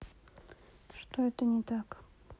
что этого не так